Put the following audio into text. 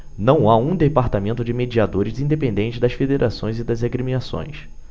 não há um departamento de mediadores independente das federações e das agremiações